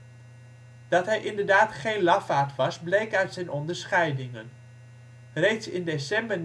inderdaad geen lafaard was bleek uit zijn onderscheidingen. Reeds in december